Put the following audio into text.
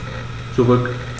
Zurück.